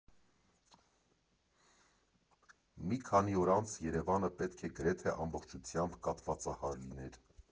Մի քանի օր անց Երևանը պետք է գրեթե ամբողջությամբ կաթվածահար լիներ։